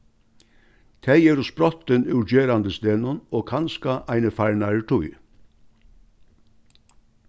tey eru sprottin úr gerandisdegnum og kanska eini farnari tíð